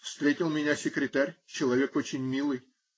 Встретил меня секретарь, человек очень милый.